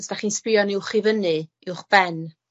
os dach chi'n sbïo'n uwch i fyny, uwch ben